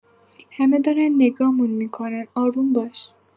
همه دارن نگامون می‌کنن آروم باش